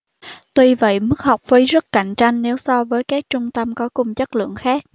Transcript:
tuy vậy mức học phí rất cạnh tranh nếu so với các trung tâm có cùng chất lượng khác